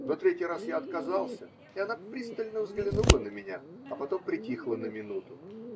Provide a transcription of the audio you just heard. на третий раз я отказался, и она пристально взглянула на меня, а потом притихла на минуту.